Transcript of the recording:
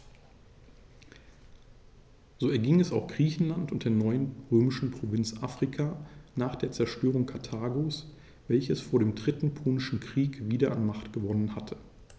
So erging es auch Griechenland und der neuen römischen Provinz Afrika nach der Zerstörung Karthagos, welches vor dem Dritten Punischen Krieg wieder an Macht gewonnen hatte.